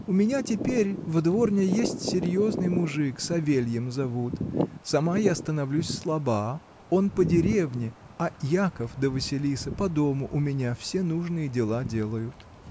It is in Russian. У меня теперь в дворне есть серьезный мужик, Савельем зовут: сама я становлюсь слаба, он по деревне, а Яков да Василиса по дому у меня все нужные дела делают.